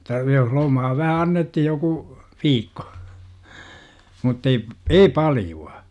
jotta jos lomaa vähän annettiin joku viikko mutta ei ei paljoa